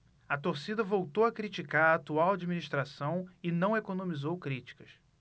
a torcida voltou a criticar a atual administração e não economizou críticas